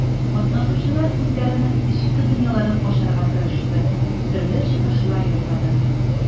Катнашучылар үзләренең эчке дөньяларын ачарга тырышты, төрле чыгышлар ясады.